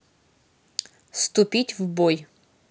вступить в бой